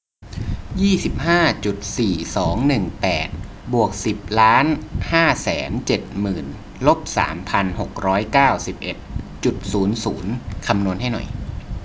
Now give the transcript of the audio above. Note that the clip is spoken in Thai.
ยี่สิบห้าจุดสี่สองหนึ่งแปดบวกสิบล้านห้าแสนเจ็ดหมื่นลบสามพันหกร้อยเก้าสิบเอ็ดจุดศูนย์ศูนย์คำนวณให้หน่อย